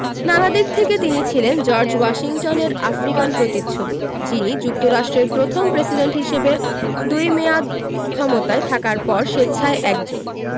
নানা দিক থেকে তিনি ছিলেন জর্জ ওয়াশিংটনের আফ্রিকান প্রতিচ্ছবি যিনি যুক্তরাষ্ট্রের প্রথম প্রেসিডেন্ট হিসেবে দুই মেয়াদ ক্ষমতায় থাকার পর স্বেচ্ছায় একজন